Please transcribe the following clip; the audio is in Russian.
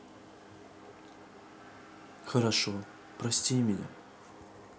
хорошо прости меня